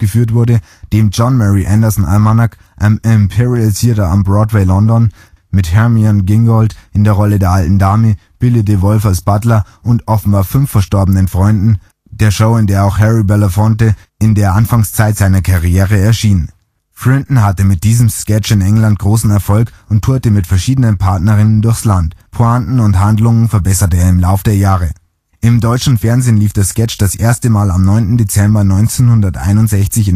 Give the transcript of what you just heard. wurde, dem John Murray Anderson 's Almanac, am Imperial Theatre am Broadway London (mit Hermione Gingold in der Rolle der alten Dame, Billy DeWolfe als Butler und offenbar fünf verstorbenen Freunden) - der Show, in der auch Harry Belafonte in der Anfangszeit seiner Karriere erschien. Frinton hatte mit diesem Sketch in England großen Erfolg und tourte mit verschiedenen Partnerinnen durchs Land. Pointen und Handlung verbesserte er im Laufe der Jahre. Im Deutschen Fernsehen lief der Sketch das erste Mal am 9. Dezember 1961